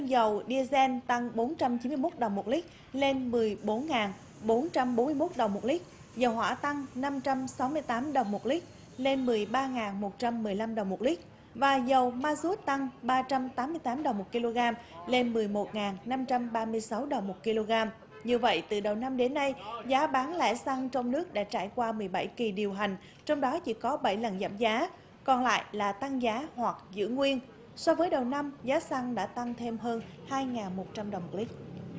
dầu di ê den tăng bốn trăm chín mươi mốt đồng một lít lên mười bốn ngàn bốn trăm bốn mươi mốt đồng một lít dầu hỏa tăng năm trăm sáu mươi tám đồng một lít lên mười ba ngàn một trăm mười lăm đồng một lít và dầu ma rút tăng ba trăm tám mươi tám đồng một ki lô gam lên mười một ngàn năm trăm ba mươi sáu đợt một ki lô gam như vậy từ đầu năm đến nay giá bán lẻ xăng trong nước đã trải qua mười bảy kỳ điều hành trong đó chỉ có bảy lần giảm giá còn lại là tăng giá hoặc giữ nguyên so với đầu năm giá xăng đã tăng thêm hơn hai nghìn một trăm đồng một lít